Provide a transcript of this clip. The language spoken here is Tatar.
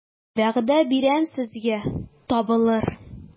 Вәгъдә бирәм сезгә, табылыр...